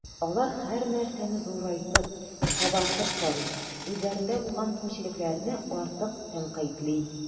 Алар һәрнәрсәне зурайтып, “кабартып” карый, үзләрендә булган кимчелекләрне артык тәнкыйтьли.